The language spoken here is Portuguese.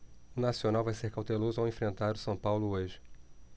o nacional vai ser cauteloso ao enfrentar o são paulo hoje